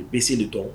I selen de tɔgɔ